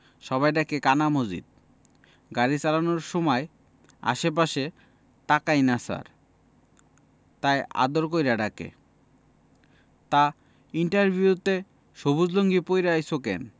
সবাই ডাকে কানা মজিদ গাড়ি চালানের সুমায় আশে পাশে তাকাইনা ছার তাই আদর কইরা ডাকে... তা ইন্টারভিউ তে সবুজ লুঙ্গি পইড়া আইছো কেন